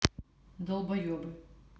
долбоебы